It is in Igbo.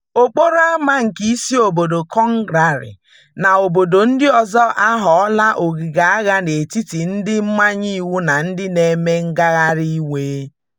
Okporo ama nke isi obodo, Conakry, na obodo ndị ọzọ aghọọla ogige agha n'etiti ndị ndị mmanye iwu na ndị na-eme ngagharị iwe.